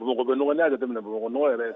Bamakɔ b nɔgɔ n'i jate minɛ Bamakɔ nɔgɔɔgɔ yɛrɛ ye